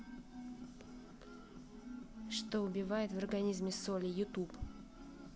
что убивает в организме соли youtube